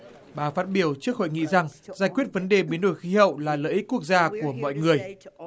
bà phát biểu trước hội nghị rằng giải quyết vấn đề biến đổi khí hậu là lợi ích quốc gia của mọi người